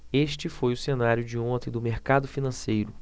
este foi o cenário de ontem do mercado financeiro